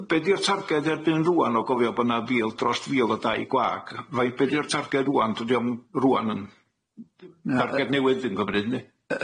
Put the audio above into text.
Yy be' di'r targed erbyn rŵan o gofio bo' 'na fil drost fil o dai gwag rhai- be' di'r targed rŵan dydi o'm rŵan yn... Na... targed newydd yndi?